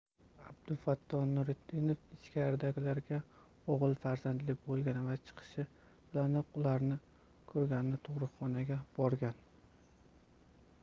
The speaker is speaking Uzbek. abdufatto nuritdinov ichkaridaligida o'g'il farzandli bo'lgan va chiqishi bilanoq ularni ko'rgani tug'ruqxonaga borgan